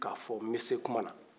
ka fɔ ko n be se kuma na